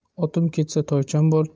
otim ketsa toycham bor